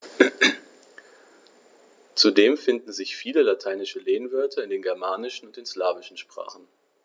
Zudem finden sich viele lateinische Lehnwörter in den germanischen und den slawischen Sprachen.